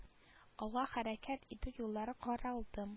Алга хәрәкәт итү юллары каралды